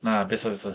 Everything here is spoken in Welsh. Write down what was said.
Na, beth oedd o?